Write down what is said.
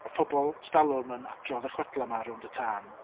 Oedd pobl 'stalwm yn adrodd y chwedlau 'ma rownd y tân.